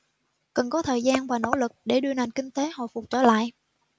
cần có thời gian và nỗ lực để đưa nền kinh tế hồi phục trở lại